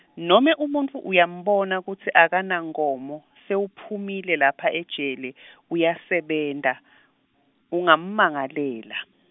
nome umuntfu uyambona kutsi akanankhomo, sewuphumile lapha ejele , uyasebenta, ungammangalela.